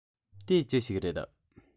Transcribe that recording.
དེ ཅི ཞིག རེད